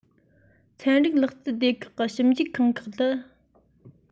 ཚན རིག ལག རྩལ སྡེ ཁག གི ཞིབ འཇུག ཁང ཁག ཏུ